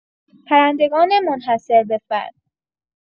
پرندگان منحصر به‌فرد